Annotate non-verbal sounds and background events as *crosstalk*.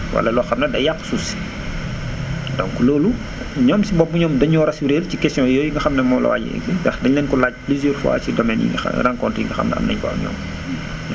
wala loo xam ne day yàq suuf si *noise* donc loolu *noise* ñoom si bopp ñoom dañ ñoo rassuré si question yooyu nga xam ne moom la waa ji indi ndax dañ leen ko laaj plusieurs fois si domaines yi nga xam rencontres yi nga xam ne am nañ ko ak ñoom *noise*